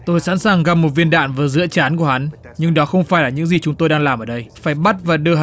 tôi sẵn sàng gặp một viên đạn vào giữa trán của anh nhưng đó không phải là những gì chúng tôi đang làm ở đây phải bắt và đưa